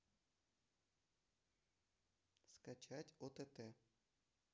скачать отт